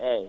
eeyi